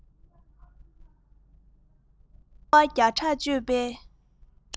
དཀའ བ བརྒྱ ཕྲག སྤྱོད པའི